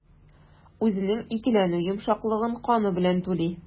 Үзенең икеләнү йомшаклыгын каны белән түли.